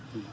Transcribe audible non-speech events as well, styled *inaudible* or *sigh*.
*hesitation* *hesitation*